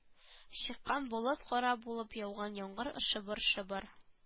Чыккан болыт кара булып яуган яңгыр шыбыр-шыбыр